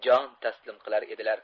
jon taslim qilar edilar